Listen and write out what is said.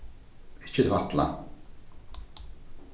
ikki tvætla